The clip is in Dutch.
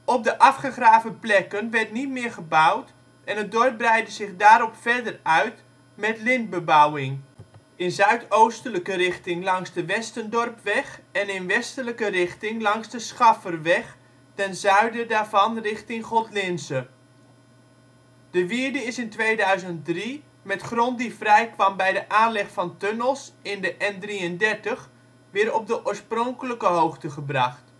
de afgegraven plekken werd niet meer gebouwd en het dorp breidde zich daarop verder uit met lintbebouwing; in zuidoostelijke richting langs de Westendorpweg en in westelijke richting langs de Schafferweg ten zuiden daarvan richting Godlinze. De wierde is in 2003 met grond die vrijkwam bij de aanleg van tunnels in de N33 weer op de oorspronkelijke hoogte gebracht